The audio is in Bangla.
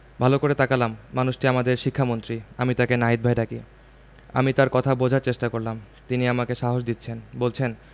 ভালো করে তাকালাম মানুষটি আমাদের শিক্ষামন্ত্রী আমি তাকে নাহিদ ভাই ডাকি আমি তার কথা বোঝার চেষ্টা করলাম তিনি আমাকে সাহস দিচ্ছেন বলছেন